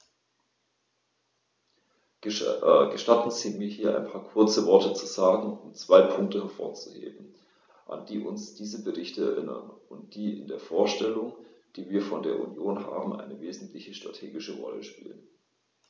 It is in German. Gestatten Sie mir, hier ein paar kurze Worte zu sagen, um zwei Punkte hervorzuheben, an die uns diese Berichte erinnern und die in der Vorstellung, die wir von der Union haben, eine wesentliche strategische Rolle spielen.